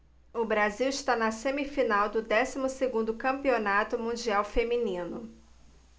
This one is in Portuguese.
o brasil está na semifinal do décimo segundo campeonato mundial feminino